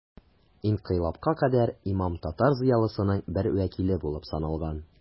Инкыйлабка кадәр имам татар зыялысының бер вәкиле булып саналган.